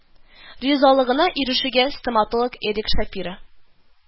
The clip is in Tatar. Ризалыгына ирешүгә стоматолог эрик шапира: